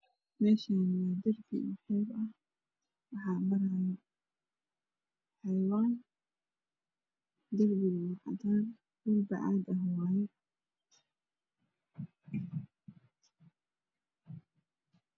Mwshani waa derbi cuseb ah waxaa maraaya xeywaan derbigu waa cadan dhul bacaad ah waaye